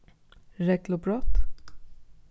reglubrot